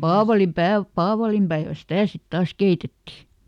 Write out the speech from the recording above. paavalinpäivä paavalinpäivänä sitä sitten taas keitettiin